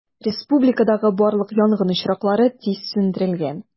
Республикадагы барлык янгын очраклары тиз сүндерелгән.